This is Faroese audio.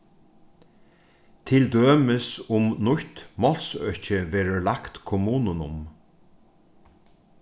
til dømis um nýtt málsøki verður lagt kommununum